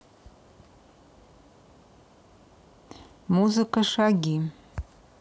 музыка шаги